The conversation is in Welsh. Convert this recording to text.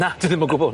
Na, dwi ddim yn gwbo.